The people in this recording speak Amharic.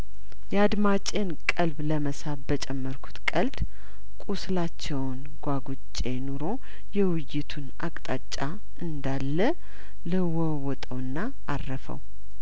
ያድማጬን ቀልብ ለመሳብ በጨመርኩት ቀልድ ቁስላቸውን ጓጉጬ ኑሮ የውይይቱን አቅጣጫ እንዳለለዋወጠውና አረፈው